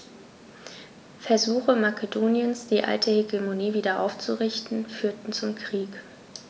Versuche Makedoniens, die alte Hegemonie wieder aufzurichten, führten zum Krieg.